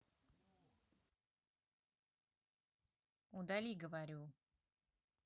удали говорю